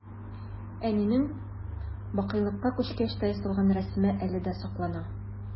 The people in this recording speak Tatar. Әнинең бакыйлыкка күчкәч тә ясалган рәсеме әле дә саклана.